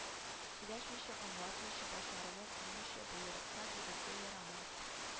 Сөйләшмичә аңлатмыйча башларына төймичә боерыкка бирергә ярамас